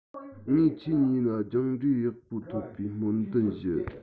ངས ཁྱེད གཉིས ལ སྦྱངས འབྲས ཡག པོ ཐོབ པའི སྨོན འདུན ཞུ